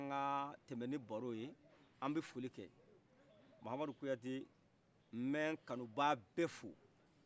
sɔni an ka tɛmɛ ni baro anbi folikɛ muhamadu kuyate mbɛ kanuba bɛ fo